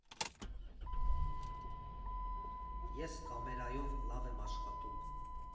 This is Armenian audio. Ես կամերայով լավ եմ աշխատում.